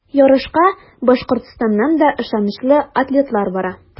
Ярышка Башкортстаннан да ышанычлы атлетлар бара.